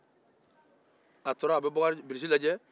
a tora a bɛ bilisi lajɛ